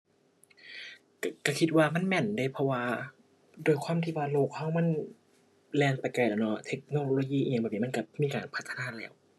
ก็ ก็คิดว่ามันแม่นเดะ เพราะว่าด้วยความที่ว่าโลกก็มันแล่นไปไกลแล้วเนาะ เทคโนโลยีอิหยังแบบนี้มันก็มีการพัฒนาแล้ว